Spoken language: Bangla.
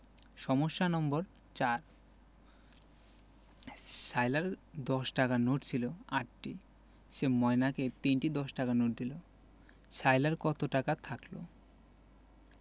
সমস্যা নম্বর ৪ সায়লার দশ টাকার নোট ছিল ৮টি সে ময়নাকে ৩টি দশ টাকার নোট দিল সায়লার কত টাকা থাকল